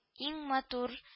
Иң матур